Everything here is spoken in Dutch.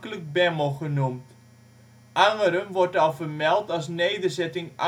Bemmel genoemd). Angeren wordt al vermeld als nederzetting